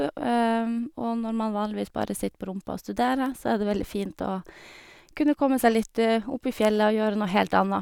Og når man vanligvis bare sitter på rumpa og studerer så er det veldig fint å kunne komme seg litt opp i fjellet og gjøre noe helt anna.